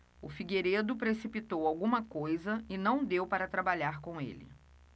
o figueiredo precipitou alguma coisa e não deu para trabalhar com ele